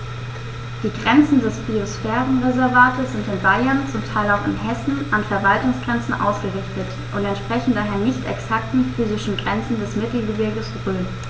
Die Grenzen des Biosphärenreservates sind in Bayern, zum Teil auch in Hessen, an Verwaltungsgrenzen ausgerichtet und entsprechen daher nicht exakten physischen Grenzen des Mittelgebirges Rhön.